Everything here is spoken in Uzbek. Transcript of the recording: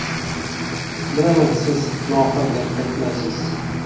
bilaman siz nohaq gap aytmaysiz